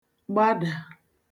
gbadà